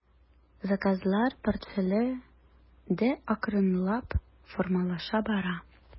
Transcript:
Заказлар портфеле дә акрынлап формалаша бара.